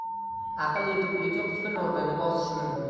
aql yetukligi husn o'rnini bosishi mumkin